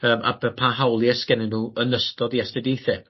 yym a by- pa hawlie 'sgennyn n'w yn ystod 'u astudiaethe.